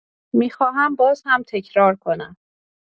می‌خواهم باز هم تکرار کنم.